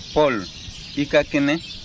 paul i ka kɛnɛ